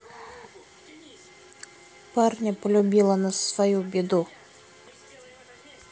парня полюбила на свою беду